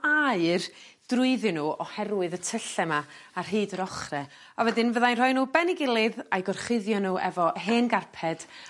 aer drwyddyn n'w oherwydd y tylle 'ma ar hyd yr ochre. A wedyn fyddai'n rhoi n'w ben 'i gilydd a'i gorchuddio n'w efo hen garped